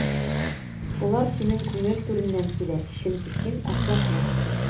Болар синең күңел түреннән килә, чөнки син әхлаклы.